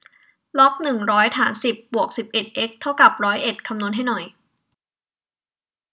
ล็อกหนึ่งร้อยฐานสิบบวกสิบเอ็ดเอ็กซ์เท่ากับร้อยเอ็ดคำนวณให้หน่อย